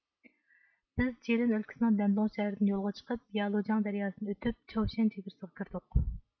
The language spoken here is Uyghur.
بىز جىلىن ئۆلكىسىنىڭ دەندۇڭ شەھىرىدىن يولغا چىقىپ يالۇجياڭ دەرياسىدىن ئۆتۈپ چاۋشيەن چېگرىسىغا كىردۇق